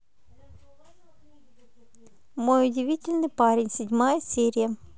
мой удивительный парень седьмая серия